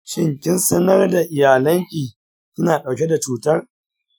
shin kin sanar da iyalanki kina dauke da cutar?